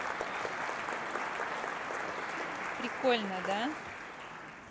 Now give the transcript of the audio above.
прикольно да